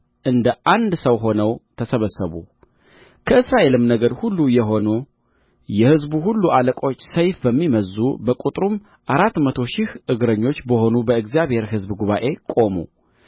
እንደ አንድ ሰው ሆነው ተሰበሰቡ ከእስራኤልም ነገድ ሁሉ የሆኑ የሕዝብ ሁሉ አለቆች ሰይፍ በሚመዝዙ በቍጥርም አራት መቶ ሺህ እግረኞች በሆኑ በእግዚአብሔር ሕዝብ ጉባኤ ቆሙ